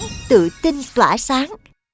tự tin tỏa sáng